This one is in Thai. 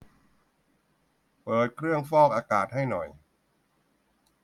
เปิดเครื่องฟอกอากาศให้หน่อย